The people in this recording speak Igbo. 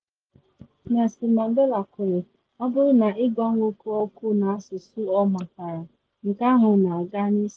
Nelson Mandela kwuru: “Ọ bụrụ na ịgwa nwoke okwu n’asụsụ ọ matara, nke ahụ na aga n’isi.